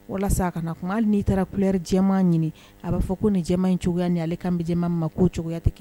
Walasa a ka na kuma hali n'i taara couleur jɛman ɲini a b'a fɔ ko nin jɛman in cogoya ni ale kan bɛ jɛman min ma k'o cogoya tɛ k